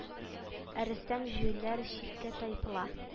Ә рөстәм җүләр читкә тайпыла